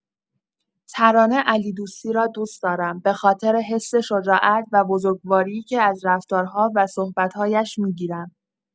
ترانه علیدوستی را دوست دارم به‌خاطر حس شجاعت و بزرگواری که از رفتارها و صحبت‌هایش می‌گیرم.